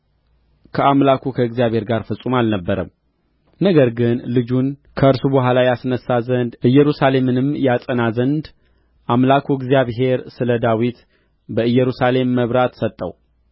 ከአምላኩ ከእግዚአብሔር ጋር ፍጹም አልነበረም ነገር ግን ልጁን ከእርሱ በኋላ ያስነሣ ዘንድ ኢየሩሳሌምንም ያጸና ዘንድ አምላኩ እግዚአብሔር ስለ ዳዊት በኢየሩሳሌም መብራት ሰጠው